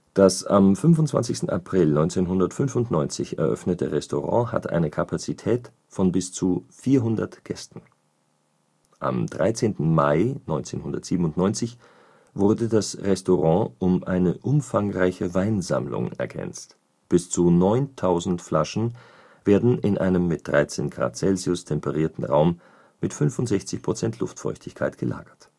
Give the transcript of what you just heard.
Das am 25. April 1995 eröffnete Restaurant hat eine Kapazität von bis zu 400 Gästen. Am 13. Mai 1997 wurde das Restaurant um eine umfangreiche Weinsammlung ergänzt. Bis zu 9000 Flaschen werden in einem mit 13° C temperierten Raum mit 65 % Luftfeuchtigkeit gelagert